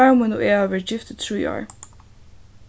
maður mín og eg hava verið gift í trý ár